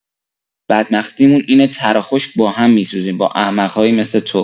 بدبختی‌مون اینه‌تر و خشک با هم می‌سوزیم با احمق‌هایی مثل تو